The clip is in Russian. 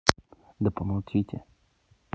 да помолчите